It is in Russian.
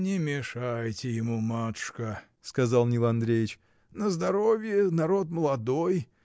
— Не мешайте ему, матушка, — сказал Нил Андреич, — на здоровье, народ молодой!